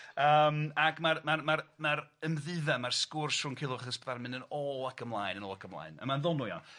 Yym ag ma'r ma'r ma'r ma'r ymddiddan ma'r sgwrs rhwng Culhwch ac Ysbyddadan yn myn' yn ôl ac ymlaen yn ôl ac ymlaen a ma'n ddoniol iawn.